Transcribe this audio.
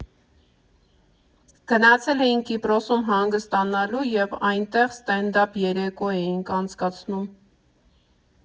Գնացել էինք Կիպրոսում հանգստանալու և այնտեղ ստենդափ երեկո էին անցկացնում։